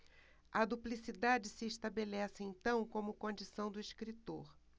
a duplicidade se estabelece então como condição do escritor